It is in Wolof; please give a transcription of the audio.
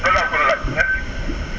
loolu laa la bëggoon laaj merci